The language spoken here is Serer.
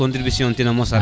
contribution ne ten a mosa